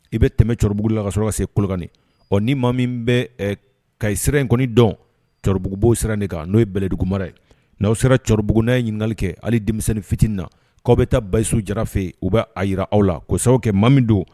I bɛ tɛmɛ cɛkɔrɔbaorobuguugu la ka sɔrɔ se kukani ɔ ni maa min bɛ ka sira in kɔni dɔn cɛkɔrɔbabugubo siran de kan n' ye bɛlɛdugu mara ye n'aw sera cɛkɔrɔbaorobuguugunna ye ɲinili kɛ hali denmisɛnnin fitinin na k awaw bɛ taa basiyisiw jara fɛ u bɛ a jira aw la ko sababu kɛ ma min don